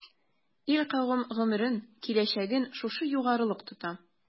Ил-кавем гомерен, киләчәген шушы югарылык тота.